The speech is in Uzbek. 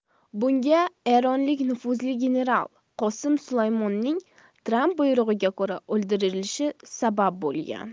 bunga eronlik nufuzli general qosim sulaymoniyning tramp buyrug'iga ko'ra o'ldirilishi sabab bo'lgan